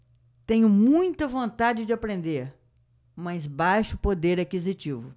tenho muita vontade de aprender mas baixo poder aquisitivo